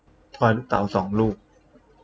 ทอยลูกเต๋าสองลูก